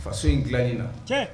Faso in dila in na